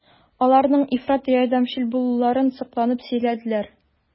Аларның ифрат ярдәмчел булуларын сокланып сөйләделәр.